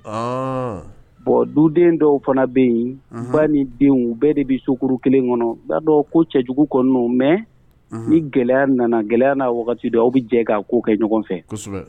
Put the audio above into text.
Bɔn duden dɔw fana bɛ yen ba ni denw bɛɛ de bɛ sukuru kelen kɔnɔ'a dɔn ko cɛjugu kɔnɔ mɛ ni gɛlɛya nana gɛlɛya n'a don aw bɛ jɛ k' kɛ ɲɔgɔn fɛ